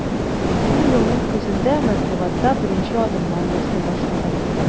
Шул елның көзендә матбугатта беренче адымнар ясый башладым.